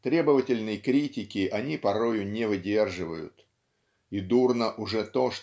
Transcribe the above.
требовательной критики они порою не выдерживают. И дурно уже то